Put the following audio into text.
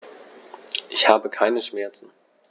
Ich habe keine Schmerzen.